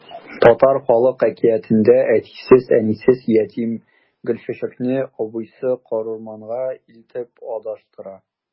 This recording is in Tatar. Татар халык әкиятендә әтисез-әнисез ятим Гөлчәчәкне абыйсы карурманга илтеп адаштыра.